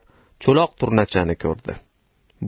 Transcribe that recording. cho'loq turnachani ko'rdi